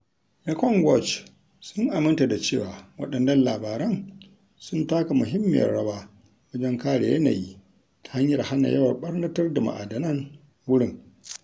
Mekong Watch sun aminta da cewa waɗannan labaran "sun taka muhimmiyar rawa wajen kare yanayi ta hanyar hana yawan ɓarnatar da ma'adanan wurin."